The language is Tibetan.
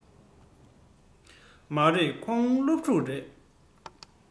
མ རེད ཁོང སློབ ཕྲུག རེད